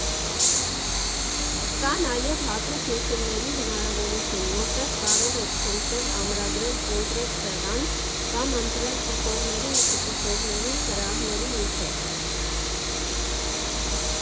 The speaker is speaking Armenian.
Կա նաև հատուկ նշումների հնարավորություն, որտեղ կարող եք խնդրել ամրագրել կոնկրետ սեղան կամ ընտրել ծխողների ու չծխողների սրահների միջև։